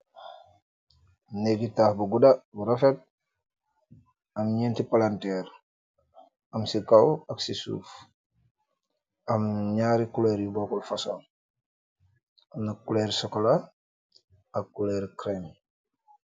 Neehgi taakh bu guda bu rafet, amm njenti paalanterre, amm ci kaww ak ci suff, amm njarri couleur yu bokul fason, amna couleur chocolat ak couleur creme.